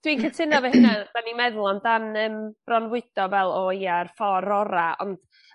Dwi'n cytuno efo hynna 'dan ni'n meddwl amdan yym bronfwydo fel o ia yr ffor ora' on'